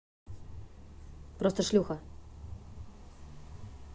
просто шлюха